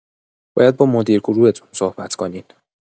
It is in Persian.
باید با مدیر گروهتون صحبت کنین